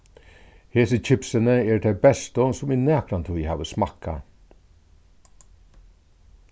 hesi kipsini eru tey bestu sum eg nakrantíð havi smakkað